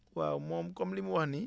waaw moom comme li mu wax nii